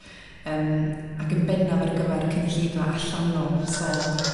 yym ag yn bennaf ar gyfar cynulleidfa allanol so